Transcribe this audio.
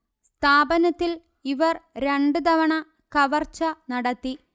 സ്ഥാപനത്തിൽ ഇവർ രണ്ട് തവണ കവർച്ച നടത്തി